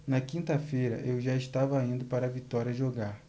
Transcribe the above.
na quinta-feira eu já estava indo para vitória jogar